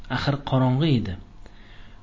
xir qorongi edi